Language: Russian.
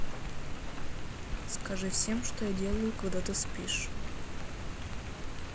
скажи всем что я делаю когда ты спишь